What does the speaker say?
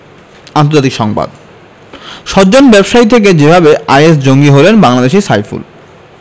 আন্তর্জাতিক সংবাদ সজ্জন ব্যবসায়ী থেকে যেভাবে আইএস জঙ্গি হলেন বাংলাদেশি সাইফুল